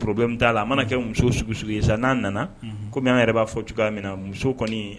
problème t'a la a mana kɛ muso sugu o sugu ye sa n'a nana, unhun, kɔmi an yɛrɛ b'a fɔ cogoya min na muso kɔni